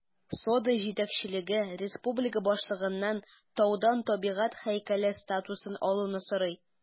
Сода җитәкчелеге республика башлыгыннан таудан табигать һәйкәле статусын алуны сорый.